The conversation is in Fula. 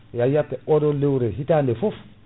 ya yiyat oɗon lewru e hitande foof